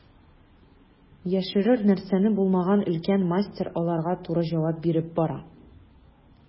Яшерер нәрсәсе булмаган өлкән мастер аларга туры җавап биреп бара.